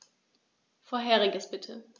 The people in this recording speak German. Vorheriges bitte.